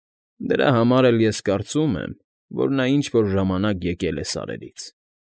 Դրա համար էլ կարծում եմ, որ նա ինչ֊որ ժամանակ եկել է սարերից։